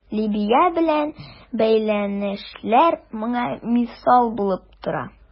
Либия белән бәйләнешләр моңа мисал булып тора.